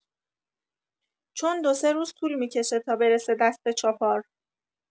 چون دو سه روز طول می‌کشه تا برسه دست چاپار